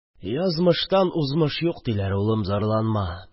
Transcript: – язмыштан узмыш юк, диләр, улым, зарланма..